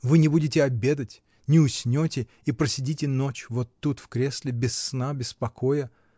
Вы не будете обедать, не уснете и просидите ночь вот тут в кресле, без сна, без покоя.